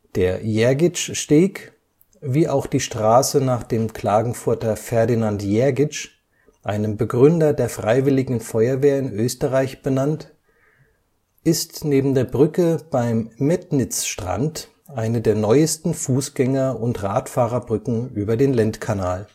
Der Jergitschsteg – wie auch die Straße nach dem Klagenfurter Ferdinand Jergitsch, einem Begründer der Freiwilligen Feuerwehr in Österreich, benannt – ist neben der Brücke beim Metnitzstrand eine der neuesten Fußgänger - und Radfahrerbrücken über den Lendkanal